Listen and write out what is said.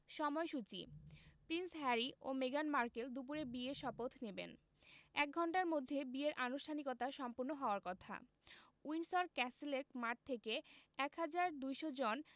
সময়সূচি prince Harry ও মেগান মার্কেল দুপুরে বিয়ের শপথ নেবেন এক ঘণ্টার মধ্যে বিয়ের আনুষ্ঠানিকতা সম্পন্ন হওয়ার কথা উইন্ডসর ক্যাসেলের মাঠ থেকে ১হাজার ২০০ জন